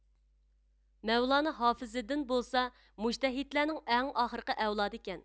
مەۋلانە ھافىزىددىن بولسا مۇجتەھىدلەرنىڭ ئەڭ ئاخىرقى ئەۋلادى ئىكەن